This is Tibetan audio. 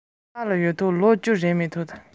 བརྒྱབ པས ང གཉིས ཁ རྩོད ཤོར